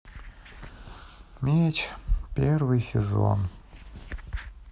меч первый сезон